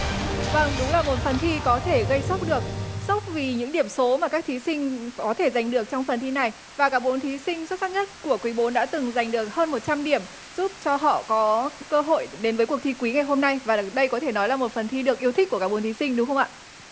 vâng đúng là một phần thi có thể gây sốc được sốc vì những điểm số mà các thí sinh có thể giành được trong phần thi này và cả bốn thí sinh xuất sắc nhất của quý bốn đã từng giành được hơn một trăm điểm giúp cho họ có cơ hội đến với cuộc thi quý ngày hôm nay và đây có thể nói là một phần thi được yêu thích của cả bốn thí sinh đúng không ạ